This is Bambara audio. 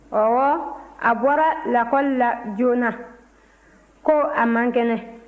ɔwɔ a bɔra lakɔli la joona ko a man kɛnɛ